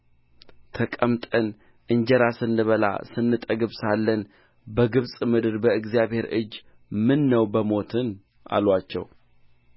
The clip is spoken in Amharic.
ተቀምጠን እንጀራ ስንበላ ስንጠግብ ሳለን በግብፅ ምድር በእግዚአብሔር እጅ ምነው በሞትን አሉአቸው